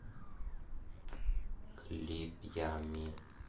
клип ями